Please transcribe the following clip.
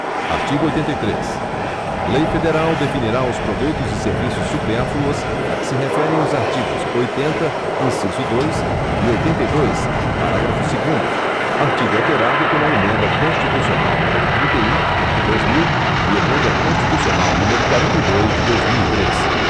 artigo oitenta e três lei federal definirá os produtos e serviços supérfluos a que se referem os artigos oitenta inciso dois e oitenta e dois parágrafo segundo artigo alterado pela emenda constitucional número trinta e um de dois mil e emenda constitucional número quarenta e dois de dois mil e três